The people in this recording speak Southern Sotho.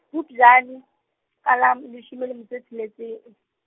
Phupjane, ka la leshome le metso e tsheletseng.